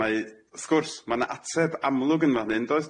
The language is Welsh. Mae wrth gwrs ma' na ateb amlwg yn fan hyn does?